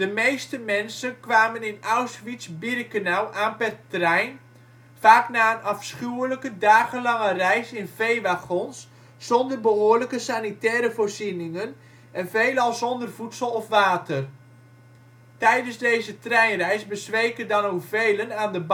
meeste mensen kwamen in Auschwitz-Birkenau aan per trein, vaak na een afschuwelijke, dagenlange reis in veewagons zonder behoorlijke sanitaire voorzieningen, en veelal zonder voedsel of water. Tijdens deze treinreis bezweken dan ook velen aan de barre